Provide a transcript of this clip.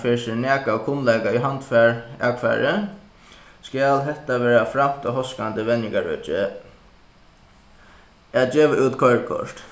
fær sær nakað av kunnleika í handfar akfari skal hetta verða framt á hóskandi venjingarøki at geva út koyrikort